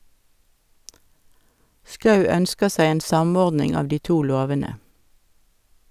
Schou ønsker seg en samordning av de to lovene.